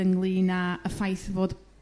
ynglŷn â y ffaith fod